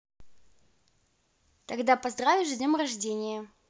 тогда поздравишь с днем рождения